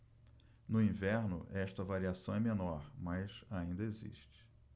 no inverno esta variação é menor mas ainda existe